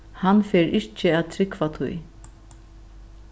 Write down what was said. hann fer ikki at trúgva tí